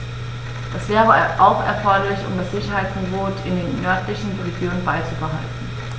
Das wäre auch erforderlich, um das Sicherheitsniveau in den nördlichen Regionen beizubehalten.